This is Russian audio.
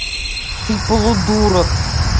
ты полудурок